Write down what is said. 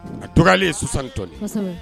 A dɔgɔyali ye 60 tonnes ye . kɔsɛbɛ